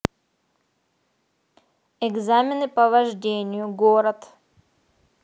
экзамены по вождению город